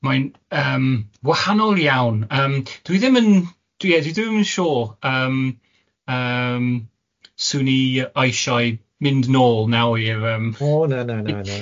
mae'n yym wahanol iawn, yym dwi ddim yn ie dwi dwi ddim yn siŵr yym yym swn i aisiau mynd nôl nawr i'r yym... O na na na na.